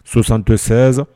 Sosan tɛ sɛsan